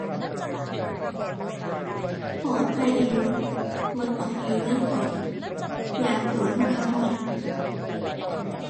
ปลอดภัยอยู่ บ่ต้องถือเงินสด ย้านโจรมาขโมย